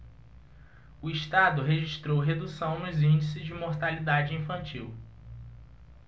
o estado registrou redução nos índices de mortalidade infantil